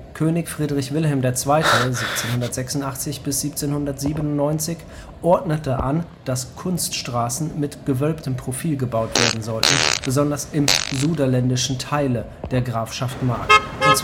König Friedrich Wilhelm II. (1786 – 1797) ordnete an, dass „ Kunststraßen “mit gewölbtem Profil gebaut werden sollten, besonders im „ Suderlandischen Theile “der Grafschaft Mark, und